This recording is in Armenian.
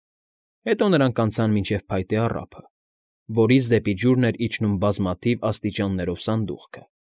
Հետո նրանք անցան մինչև փայտե առափը, որից դեպի ջուրն էր իջնում բազմաթիվ աստիճաններով սանդուղքը։